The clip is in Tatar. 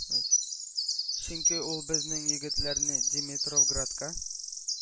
Чөнки ул безнең егетләрне димитровградка